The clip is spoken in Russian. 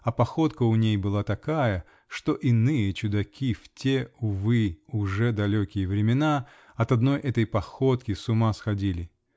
а походка у ней была такая, что иные чудаки в те, увы!уже далекие времена-от одной этой походки с ума сходили.